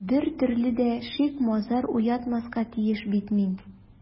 Бер төрле дә шик-мазар уятмаска тиеш бит мин...